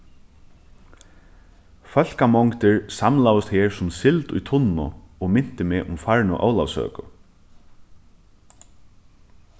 fólkamongdir samlaðust her sum sild í tunnu og mintu meg um farnu ólavsøku